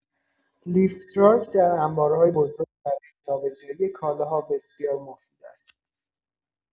لیفتراک در انبارهای بزرگ برای جابه‌جایی کالاها بسیار مفید است.